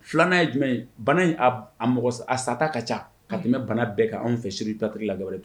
Filan ye jumɛn ye? Bana in a mɔgɔ sa ta ka ca ka tɛmɛ bana bɛɛ kan , anw fɛ chirigie Guruyɛl Ture la